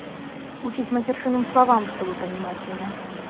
учись матершинным словам чтобы понимать меня